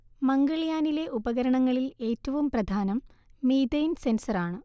മംഗൾയാനിലെ ഉപകരണങ്ങളിൽ ഏറ്റവും പ്രധാനം മീഥെയ്ൻ സെൻസർ ആണ്